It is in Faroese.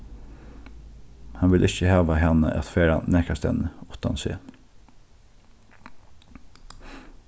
hann vil ikki hava hana at fara nakrastaðni uttan seg